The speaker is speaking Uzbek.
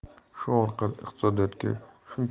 shu orqali iqtisodiyotga